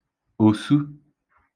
òsu